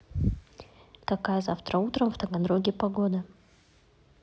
какая завтра утром в таганроге погода